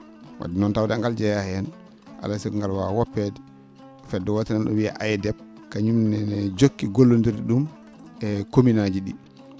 wadde noon tawde engal jeyaa heen alaa e sago ngal waawaa woppeede fedde wootere nan ?oo no AIDEP kañum nene jokki gollonndirde ?um e commune ?aaji ?ii